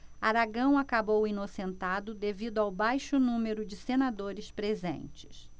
aragão acabou inocentado devido ao baixo número de senadores presentes